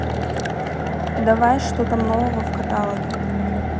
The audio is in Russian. давай что там нового в каталоге